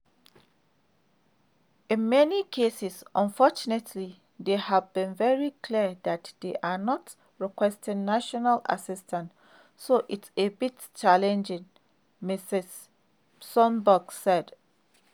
"In many cases, unfortunately, they've been very clear that they're not requesting international assistance, so it's a bit challenging," Ms. Sumbung said.